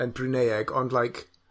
yn Brwneueg ond like